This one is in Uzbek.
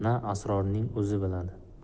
na asrorning o'zi biladi